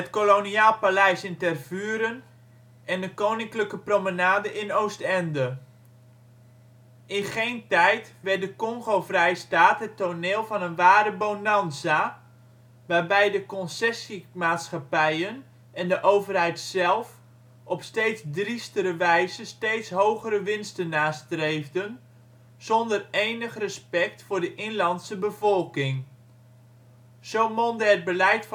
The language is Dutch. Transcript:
Koloniaal Paleis in Tervuren en de koninklijke promenade in Oostende). In geen tijd werd de Kongo-Vrijstaat het toneel van een ware bonanza, waarbij de concessie-maatschappijen en de overheid zelf op steeds driestere wijze steeds hogere winsten nastreefden, zonder enig respect voor de inlandse bevolking. Zo mondde het beleid